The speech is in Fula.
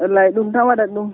walay ɗum tan waɗata ɗum